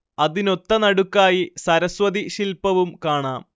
അതിനൊത്തനടുക്കായി സരസ്വതി ശില്പവും കാണാം